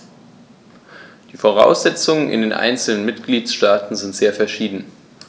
Die Voraussetzungen in den einzelnen Mitgliedstaaten sind sehr verschieden.